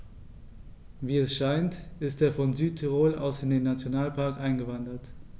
Wie es scheint, ist er von Südtirol aus in den Nationalpark eingewandert.